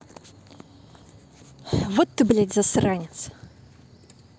вот ты блять засранец